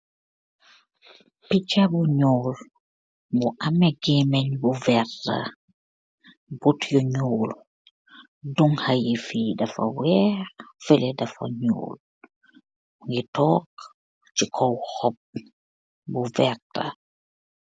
Picha bu nyoul, mu ameh gehmehnh bu verteh, bote nyeoul dung haa fi dafa weeah faleh dafa nyeoul mugeih tok ce gaw hopp bu verteh